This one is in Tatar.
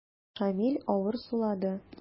Шамил авыр сулады.